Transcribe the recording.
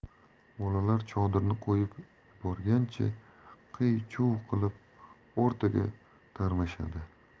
bolalar chodirni qo'yib yuborgancha qiy chuv qilib o'rtaga tarmashadi